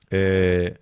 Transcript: Ɛɛ